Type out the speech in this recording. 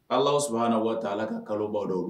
Alahu Subuhanahu watala ka kalo baw dɔw